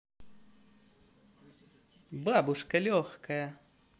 бабушка легкая